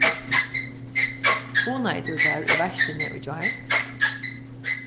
hugnaði tú tær í veitsluni í gjár